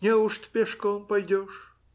- Неужто пешком пойдешь?